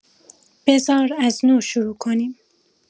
بذار از نو شروع کنیم